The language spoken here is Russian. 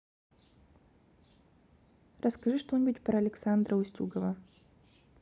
расскажи что нибудь про александра устюгова